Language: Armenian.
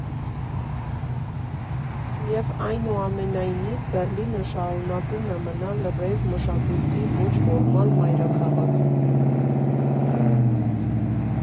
Եվ, այնուամենայնիվ, Բեռլինը շարունակում է մնալ ռեյվ մշակույթի ոչ֊ֆորմալ մայրաքաղաքը։